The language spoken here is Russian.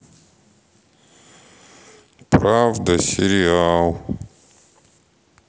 правда сериал